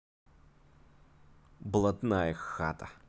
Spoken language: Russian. блатная хата